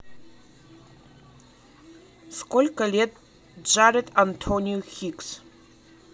сколько лет jared anthony хигис